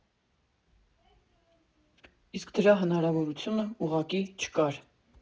Իսկ դրա հնարավորությունը ուղղակի չկար։